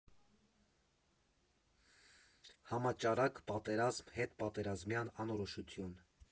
Համաճարակ, պատերազմ, հետպատերազմյան անորոշություն։